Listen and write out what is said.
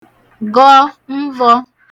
gọ mvọ̄